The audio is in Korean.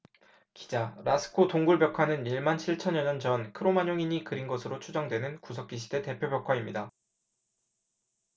기자 라스코 동굴벽화는 일 만 칠 천여 년 전 크로마뇽인이 그린 것으로 추정되는 구석기시대 대표 벽화입니다